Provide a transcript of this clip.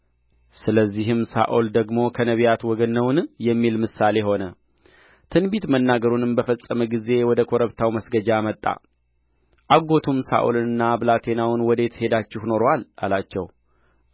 ስለዚህም ሳኦል ደግሞ ከነቢያት ወገን ነውን የሚል ምሳሌ ሆነ ትንቢት መናገሩንም በፈጸመ ጊዜ ወደ ኮረብታው መስገጃ መጣ አጎቱም ሳኦልንና ብላቴናውን ወዴት ሄዳችሁ ኖሮአል አላቸው